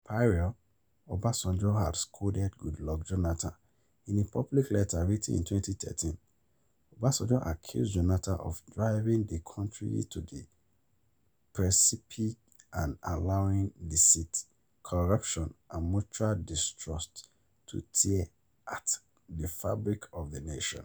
Prior, Obasanjo had scolded Goodluck Jonathan in a public letter written in 2013, Obasanjo accused Jonathan of driving the country to the precipice and allowing deceit, corruption and mutual distrust to tear at the fabric of the nation.